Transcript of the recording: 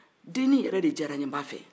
denin yɛrɛ de diyara n ye n b'a fɛ